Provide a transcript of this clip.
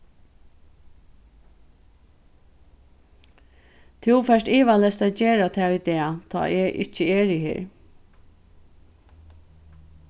tú fert ivaleyst at gera tað í dag tá eg ikki eri her